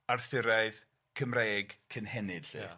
Arthuraidd Cymreig cynhenid 'lly. Ia.